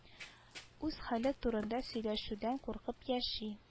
Үз хәле турында сөйләшүдән куркып яши